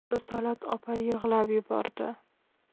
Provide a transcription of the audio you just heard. risolat opa yig'lab yubordi